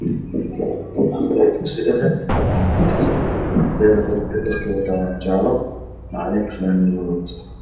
Arday dugsi dhexe ah iyo macalinkiis ardayda dharka ay wadtaan waa jaalo macalin funaanad madow wadtaa